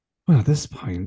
At this point...